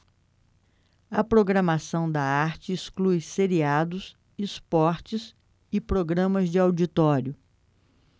a programação da arte exclui seriados esportes e programas de auditório